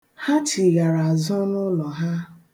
Ha chighara azụ n'ụlọ ha.